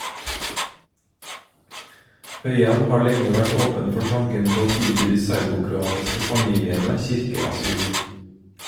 Høyem har lenge vært åpen for tanken på å tilby de serbokroatiske familiene kirkeasyl.